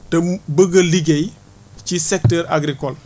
te mu bëgg a liggéey ci secteur agricole